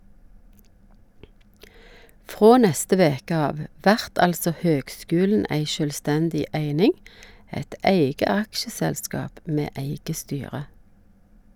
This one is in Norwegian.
Frå neste veke av vert altså høgskulen ei sjølvstendig eining, eit eige aksjeselskap med eige styre.